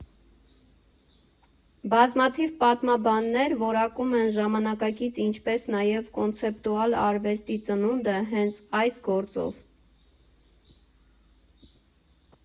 Բազմաթիվ պատմաբաններ որակում են ժամանակակից, ինչպես նաև կոնցեպտուալ արվեստի ծնունդը հենց այս գործով։